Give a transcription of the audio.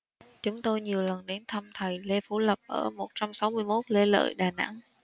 chúng tôi nhiều lần đến thăm thầy lê phú lộc ở một trăm sáu mươi mốt lê lợi đà nẵng